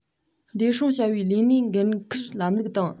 བདེ སྲུང བྱ བའི ལས གནས འགན ཁུར ལམ ལུགས དང